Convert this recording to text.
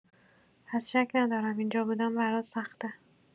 پس شک ندارم اینجا بودن برات سخته.